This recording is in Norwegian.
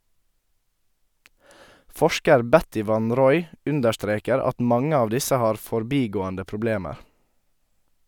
Forsker Betty van Roy understreker at mange av disse har forbigående problemer.